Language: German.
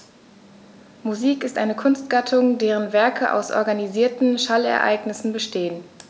Musik ist eine Kunstgattung, deren Werke aus organisierten Schallereignissen bestehen.